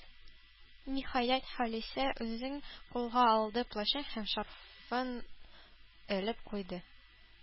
Ниһаять, Халисә үзен кулга алды, плащын һәм шарфын элеп куйды.